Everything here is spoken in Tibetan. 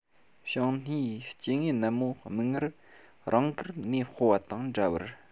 བྱང སྣེའི སྐྱེ དངོས ནན མོ མིག སྔར རང དགར གནས སྤོ བ དང འདྲ བར